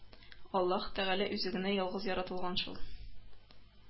Аллаһы тәгалә үзе генә ялгыз яратылган шул